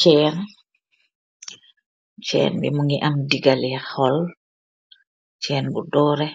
Chain, chain bi mungi am digale hol, chain bu doreh